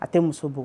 A tɛ musoug